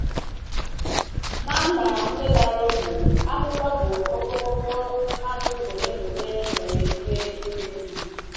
Na mba ndị dara ogbenye, akwụkwọ bụ okomoko mmadụ olenaole nwere ike imeli.